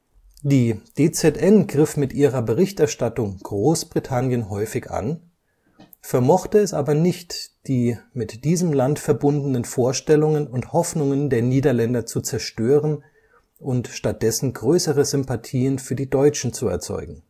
Die DZN griff mit ihrer Berichterstattung Großbritannien häufig an, vermochte es aber nicht, die mit diesem Land verbundenen Vorstellungen und Hoffnungen der Niederländer zu zerstören und stattdessen größere Sympathien für die Deutschen zu erzeugen